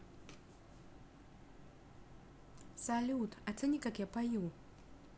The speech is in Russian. салют оцени как я пою